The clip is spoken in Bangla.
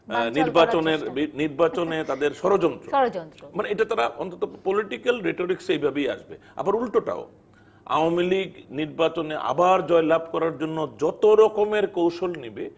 বানচাল করার চেষ্টা নির্বাচনের নির্বাচনে তাদের ষড়যন্ত্র ষড়যন্ত্র মানে এটা তারা অন্তত পলিটিকাল রেটরিকসে এটা এভাবে আসবে আবার উল্টোটাও আওয়ামী লীগ নির্বাচনে আবার জয় লাভ করার জন্য যত রকমের কৌশল নিবে